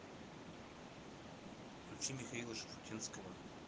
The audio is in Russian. включи михаила шуфутинского